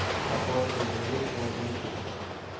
soqov so'zining so'ngini kut